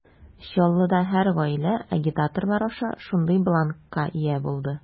Чаллыда һәр гаилә агитаторлар аша шундый бланкка ия булды.